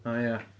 O ia.